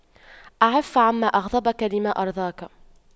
اعف عما أغضبك لما أرضاك